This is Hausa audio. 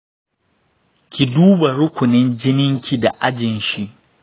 ki duba rukunin jininki da ajin shi.